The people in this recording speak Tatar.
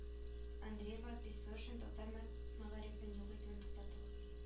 Андреева песошин татар мәг мәгарифен юк итүен туктатыгыз